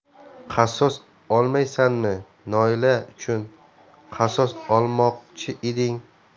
qasos olmaysanmi noila uchun qasos olmoqchi eding